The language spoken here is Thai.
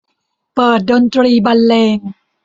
เปิดดนตรีบรรเลง